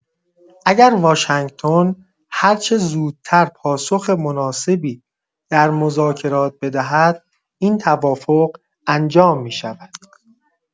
اگر واشنگتن هرچه زودتر پاسخ مناسبی در مذاکرات بدهد این توافق انجام می‌شود.